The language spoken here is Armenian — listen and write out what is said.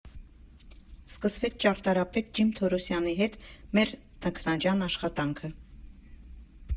Սկսվեց ճարտարապետ Ջիմ Թորոսյանի հետ մեր տքնաջան աշխատանքը։